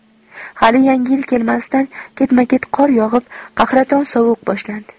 hali yangi yil kelmasidan ketma ket qor yog'ib qahraton sovuq boshlandi